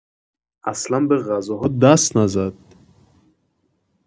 اصلا به غذاها دست نزد